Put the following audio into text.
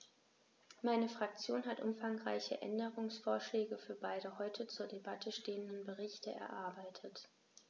Meine Fraktion hat umfangreiche Änderungsvorschläge für beide heute zur Debatte stehenden Berichte erarbeitet.